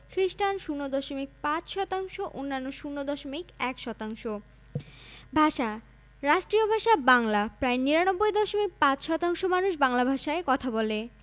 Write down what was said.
প্রকৌশল মহাবিদ্যালয় ৮টি পলিটেকনিক ইনস্টিটিউট ২০টি মহাবিদ্যালয় সাধারণ শিক্ষা ৩হাজার ২৭৭টি মাধ্যমিক বিদ্যালয় ১৮হাজার